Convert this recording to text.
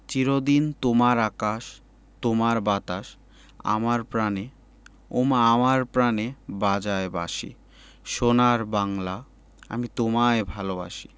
চির দিন তোমার আকাশ তোমার বাতাস আমার প্রাণে ওমা আমার প্রানে বাজায় বাঁশি সোনার বাংলা আমি তোমায় ভালোবাসি